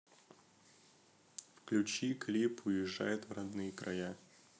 включи клип уезжает в родные края